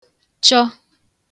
chọ